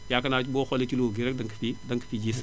yaakaar naa boo xoolee ci lot bii rekk danga ko fiy danga ko fiy gis